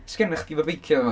sgennoch chdi efo beicio fan'na?